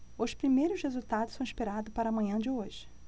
os primeiros resultados são esperados para a manhã de hoje